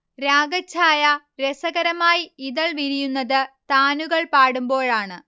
രാഗച്ഛായ രസകരമായി ഇതൾ വിരിയുന്നത് താനുകൾ പാടുമ്പോഴാണ്